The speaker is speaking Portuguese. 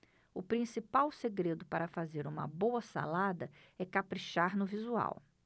o principal segredo para fazer uma boa salada é caprichar no visual